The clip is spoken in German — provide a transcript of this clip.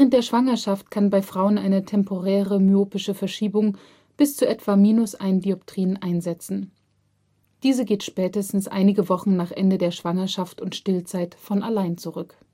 der Schwangerschaft kann bei Frauen eine temporäre myopische Verschiebung bis zu etwa -1 dpt einsetzen. Diese geht spätestens einige Wochen nach Ende der Schwangerschaft und Stillzeit von allein zurück